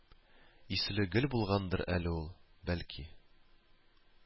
Исле гөл булгандыр әле ул, бәлки